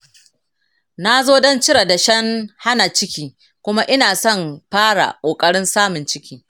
na zo don cire dashen hana ciki kuma ina son fara ƙoƙarin samun ciki.